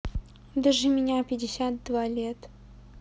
даже меня пятьдесят два лет